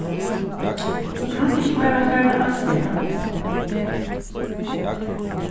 tú kanst ikki bara fara avstað